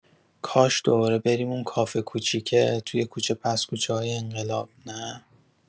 کاش دوباره بریم اون کافه کوچیکه توی کوچه پس‌کوچه‌های انقلاب، نه؟